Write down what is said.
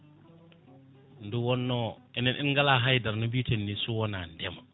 nde wonno enen en gala haydara no mbiten ni sowona ndeema